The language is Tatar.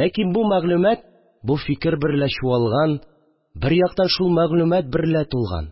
Ләкин бу мәгълүмат, бу фикер берлә чуалган, бер яктан шул мәгълүмат берлә тулган,